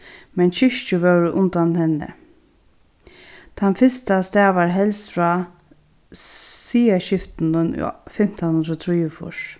men kirkjur vóru undan henni tann fyrsta stavar helst frá siðaskiftinum í fimtan hundrað og trýogfýrs